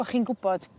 bo' chi'n gwbod